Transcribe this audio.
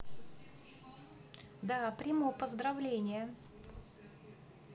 да приму поздравления